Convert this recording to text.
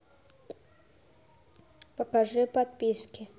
покажи подписки